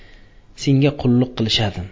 senga qulluq qilishadi